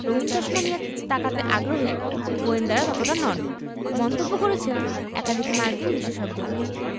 রঙিন চশমা দিয়ে তাকাতে আগ্রহী গোয়েন্দারা ততটা নন মন্তব্য করেছেন একাধিক মার্কিন বিশেষজ্ঞ